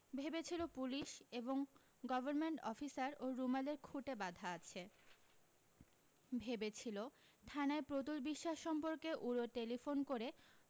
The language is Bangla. ভেবেছিল পুলিশ এবং গভর্নমেন্ট অফিসার ওর রুমালের খুঁটে বাঁধা আছে ভেবেছিল থানায় প্রতুল বিশ্বাস সম্পর্কে উড়ো টেলিফোন করে